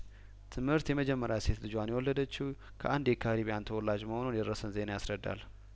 ትምህርት የመጀመሪያ ሴት ልጇን የወለደችው ከአንድ የካሪቢያን ተወላጅ መሆኑን የደረሰን ዜና ያስረዳል